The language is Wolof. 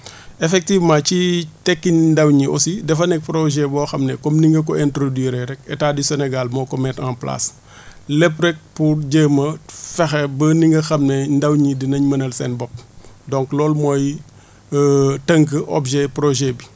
effectivement ci Tekki Ndaw ñi aussi dafa nekk projet boo xam ne comme ni nga ko introduire rek état du Sénégal moo ko mettre en place lépp rek pour jéem a fexe ba ni nga xam ne ndaw ñi dinañ mënal seen bopp donc loolu mooy tënk objet projet bi